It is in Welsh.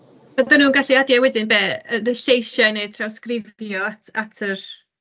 Ydyn nhw'n gallu adio wedyn be? Y lleisiau neu'r trawsgrifio at at yr...